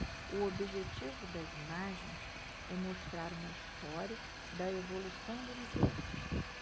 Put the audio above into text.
o objetivo das imagens é mostrar uma história da evolução do universo